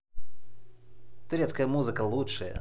турецкая музыка лучшее